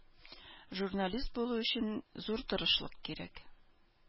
Журналист булу өчен зур тырышлык кирәк.